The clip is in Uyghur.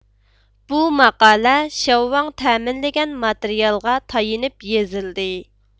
بۇ ماقالە شياۋ ۋاڭ تەمىنلىگەن ماتېرىيالغا تايىنىپ يېزىلدى